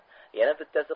yana bittasi